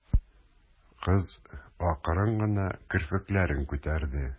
Кыз акрын гына керфекләрен күтәрде.